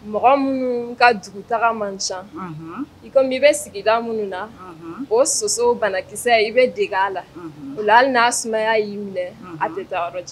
Mɔgɔ minnu ka dugutaa man ca i kɔni i bɛ sigida minnu na o soso banakisɛya i bɛ dege a la u n'a sumaya y'i minɛ a tɛ taa yɔrɔ cɛ